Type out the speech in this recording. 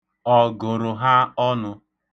Ọ gụrụ ha ọnụ?